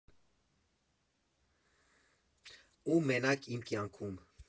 Ու մենակ իմ կյանքում։